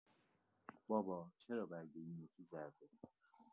بابا، چرا برگ این یکی زرده؟